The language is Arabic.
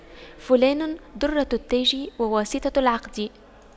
فلان دُرَّةُ التاج وواسطة العقد